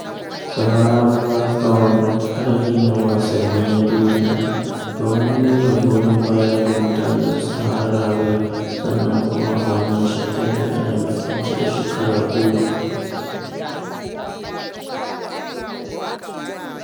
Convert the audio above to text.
Sahara Marathon taro ne na wasanni na duniya domin nuna goyon baya ga mutanen Saharawi, sannan kuma a wannan shekarar yana bikin cika shekara goma.